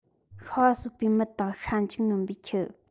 ཤ བ གསོད པའི མི དང ཤ མཇུག ནོན པའི ཁྱི